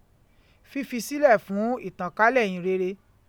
Fífi sílẹ̀ fún ìtànkálẹ̀ ìhìnrere.